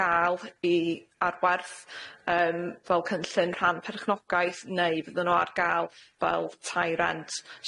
ga'l i ar werth yym fel cynllun rhan perchnogaeth neu fydden nhw ar ga'l fel tai rent.